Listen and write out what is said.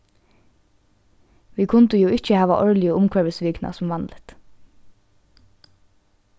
vit kundu jú ikki hava árligu umhvørvisvikuna sum vanligt